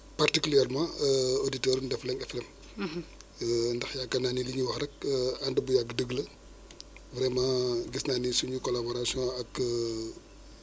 tàngaay bi nga xamante ne bi moom la naaj bi indi ci ci kii bi ci gàttal daal naaj bi li tàngaay bi nga xamante ne bi moom lay wàcce ci suuf xam nga moom mooy piégé wu ci atmosphère bi ba nga xamante ne bi du mën a dellu comme ni mu ni mu doon kii yee